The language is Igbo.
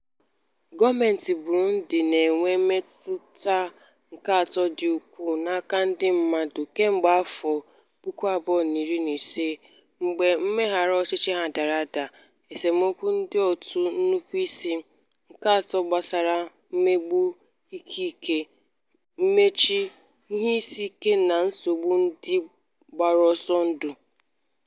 Gọọmentị Burundi na-enwe mmetụta nkatọ dị ukwuu n'aka ndị mmadụ kemgbe afọ 2015, mgbe mweghara ọchịchị ha dara ada, esemokwu ndị òtù nnupụisi, nkatọ gbasara mmegbu ikike, mmachi, ihe isiike na nsogbu ndị gbara ọsọ ndụ.